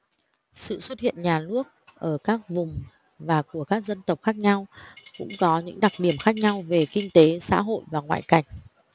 sự xuất hiện nhà nước ở các vùng và của các dân tộc khác nhau cũng có những đặc điểm khác nhau về kinh tế xã hội và ngoại cảnh